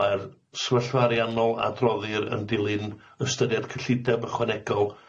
Mae'r sefyllfa ariannol adroddir yn dilyn ystyried cyllideb ychwanegol,